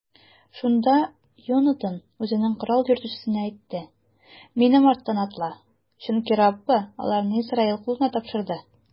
Шунда Йонатан үзенең корал йөртүчесенә әйтте: минем арттан атла, чөнки Раббы аларны Исраил кулына тапшырды.